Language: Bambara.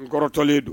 Kɔrɔtɔlen do